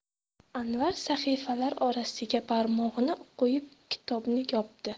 anvar sahifalar orasiga barmog'ini qo'yib kitobni yopdi